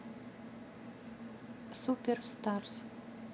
супер старс